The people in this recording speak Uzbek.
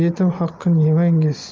yetim haqin yemangiz